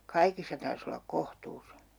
kaikissa tarvitsisi olla kohtuus